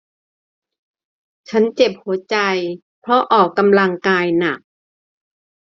ฉันเจ็บหัวใจเพราะออกกำลังกายหนัก